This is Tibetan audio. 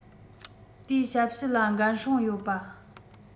དེའི ཞབས ཞུ ལ འགན སྲུང ཡོད པ